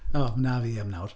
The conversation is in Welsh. O, na fi am nawr.